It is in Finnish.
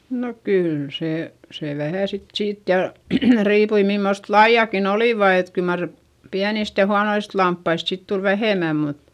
no kyllä se se vähän sitten siitä ja riippui mimmoista lajiakin olivat että kyllä mar pienistä ja huonoista lampaista sitten tuli vähemmän mutta